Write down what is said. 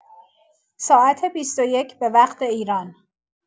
ساعت ۲۱: ۰۰ به‌وقت‌ایران